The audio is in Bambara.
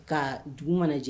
Ka dugu mana jɛ